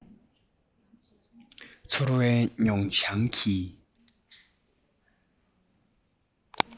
ཚོར བའི མྱོང བྱང གི